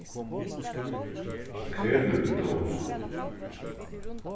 makrelur í dós